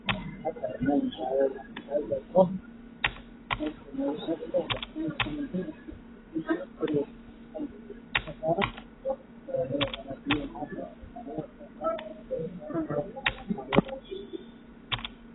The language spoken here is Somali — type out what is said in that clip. Miisaan oo meel qurux badan oo muraayadaha waxay yaalo alaabo fara badan sida talaabaha wax lagu xaaqo